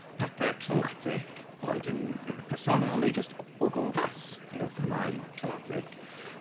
pethau traumatic boed yn personol neu jyst o gwmpas, you know themâu traumatic ...